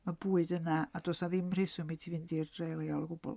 Mae bwyd yna a does 'na ddim rheswm i ti fynd i'r dref leol o gwbl.